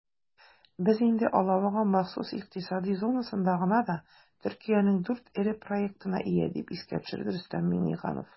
"без инде алабуга махсус икътисади зонасында гына да төркиянең 4 эре проектына ия", - дип искә төшерде рөстәм миңнеханов.